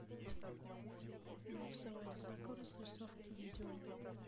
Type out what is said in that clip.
нарисовать сакуры срисовки видео